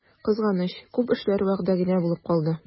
Кызганыч, күп эшләр вәгъдә генә булып калды.